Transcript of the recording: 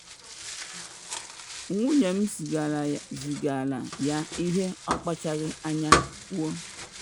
“Nwunye m zigara ya ihe ọ akpachaghị anya kwuo.